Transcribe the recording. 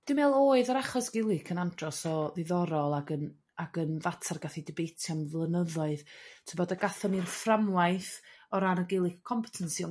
Dwi me'wl oedd yr achos Gilic yn andros o ddiddorol ag yn ag yn fatar gath 'i dibeitio am flynyddoedd. T'bod a gathon ni'r fframwaith o ran y Gilic competency.